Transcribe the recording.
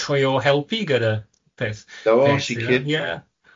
trio helpu gyda'r peth... Na 'fo, sicir... Yeah.